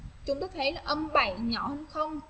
thế âm bài nhỏ hơn không